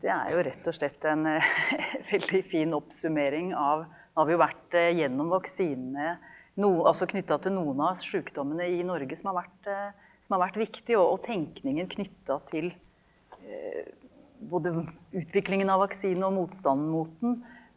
det er jo rett og slett en veldig fin oppsummering av nå har vi jo vært gjennom vaksinene altså knytta til noen av sjukdommene i Norge som har vært som har vært viktig og og tenkningen knytta til både utviklingen av vaksinen og motstanden mot den.